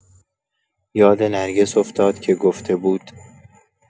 یاد نرگس افتاد که گفته بود